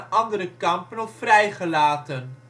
andere kampen of vrijgelaten